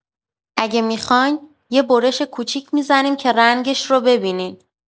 اگه می‌خواین، یه برش کوچیک می‌زنیم که رنگش رو ببینین.